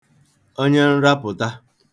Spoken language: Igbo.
onye nrapụ̀ta